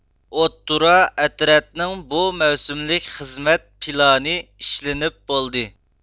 ئوتتۇرا ئەترەتنىڭ بۇ مەۋسۇملۇق خىزمەت پىلانى ئىشلىنىپ بولدى